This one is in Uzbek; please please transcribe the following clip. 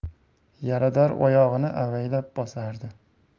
yarador oyog'ini avaylab bosardi